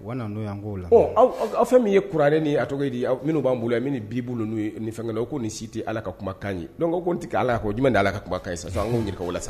W' y yan k'o la aw fɛn min ye kuranlen ni a di ye minnu b'an bolo yan min ni bi' n'o ye nin fɛnla o k' ni si tɛ ala ka kumakan ye dɔnku ko n tɛ ala ka jum' ala ka kumakan ɲi ye sa an ko n nin ka la sa